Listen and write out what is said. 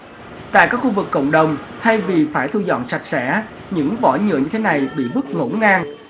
tại các khu vực cộng đồng thay vì phải thu dọn sạch sẽ những vỏ nhựa như thế này bị vứt ngổn ngang